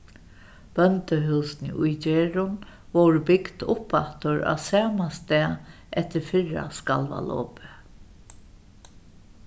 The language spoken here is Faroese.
bóndahúsini í gerðum vórðu bygd upp aftur á sama stað eftir fyrra skalvalopið